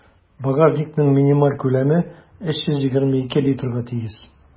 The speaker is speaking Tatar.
Багажникның минималь күләме 322 литрга тигез.